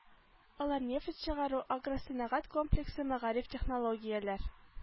Алар нефть чыгару агросәнәгать комплексы мәгариф технологияләр